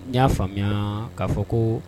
N y'a faamuya k'a fɔ ko